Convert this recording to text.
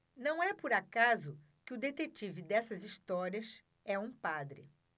não é por acaso que o detetive dessas histórias é um padre